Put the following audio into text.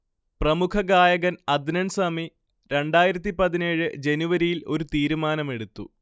പ്രമുഖഗായകൻ അദ്നൻ സമി രണ്ടതായിരത്തിപതിനേഴ് ജനുവരിയിൽ ഒരു തീരുമാനമെടുത്തു